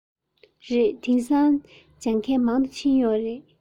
རེད དེང སང སྦྱོང མཁན མང དུ ཕྱིན ཡོད རེད